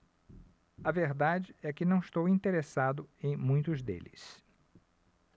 a verdade é que não estou interessado em muitos deles